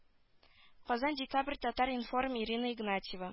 Казан декабрь татар-информ ирина игнатьева